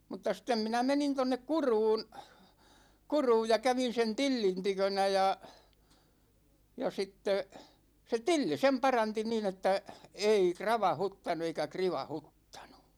mutta sitten minä menin tuonne Kuruun Kuruun ja kävin sen Tillin tykönä ja ja sitten se Tilli sen paransi niin että ei kravauttanut eikä krivauttanut